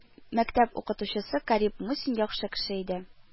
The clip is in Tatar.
Мәктәп укытучысы Карип Мусин яхшы кеше иде